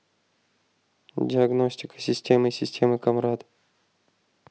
диагностика системы системы камрад